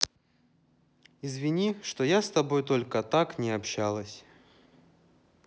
извини что я с тобой только так не общалась